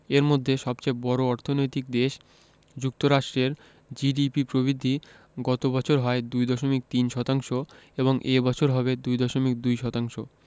এর মধ্যে সবচেয়ে বড় অর্থনৈতিক দেশ যুক্তরাষ্ট্রের জিডিপি প্রবৃদ্ধি গত বছর হয় ২.৩ শতাংশ এবং এ বছর হবে ২.২ শতাংশ